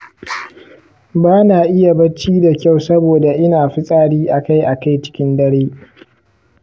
ba na iya bacci da kyau saboda ina fitsari akai-akai cikin dare.